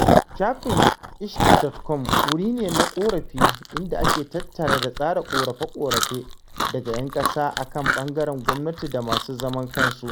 Shafin Ishki.com wuri ne na ƙorafi, inda ake tattara da tsara ƙorafe-ƙorafe daga 'yan ƙasa a kan ɓangaren gwamnati da masu zaman kansu.